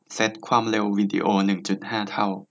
เซ็ตความเร็ววีดีโอหนึ่งจุดห้าเท่า